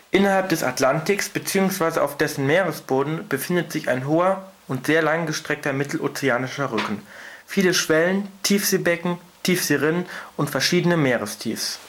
Innerhalb des Atlantiks bzw. auf dessen Meeresboden befindet sich ein hoher und sehr langgestreckter Mittelozeanischer Rücken, viele niedrigere Schwellen, Tiefseebecken, Tiefseerinnen und verschiedene Meerestiefs